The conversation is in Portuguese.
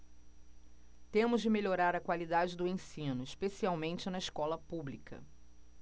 temos de melhorar a qualidade do ensino especialmente na escola pública